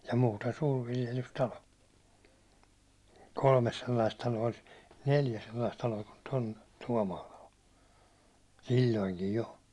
ja muuten suurviljelystalo kolme sellaista taloa olisi neljä sellaista taloa kuin - Tuomaala on silloinkin jo